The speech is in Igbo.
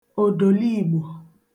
òdòlìgbò